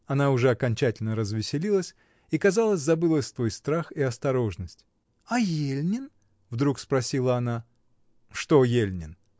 Она уже окончательно развеселилась и, казалось, забыла свой страх и осторожность. — А Ельнин? — вдруг спросила она. — Что Ельнин?